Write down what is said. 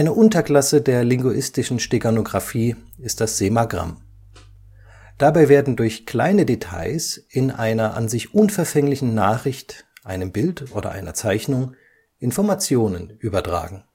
Unterklasse der linguistischen Steganographie ist das Semagramm. Dabei werden durch kleine Details in einer an sich unverfänglichen Nachricht, einem Bild oder einer Zeichnung Informationen übertragen